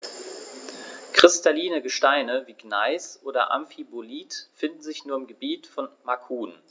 Kristalline Gesteine wie Gneis oder Amphibolit finden sich nur im Gebiet von Macun.